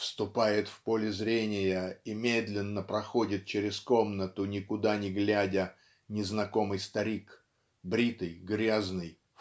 вступает в поле зрения и медленно проходит через комнату никуда не глядя незнакомый старик бритый грязный